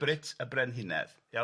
Brut y Brenhinedd, iawn?